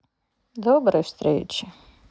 доброй встречи